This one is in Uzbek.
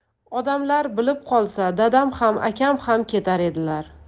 odamlar bilib qolsa dadam ham akam ham ketar edilar